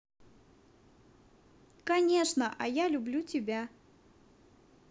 конечно а я люблю тебя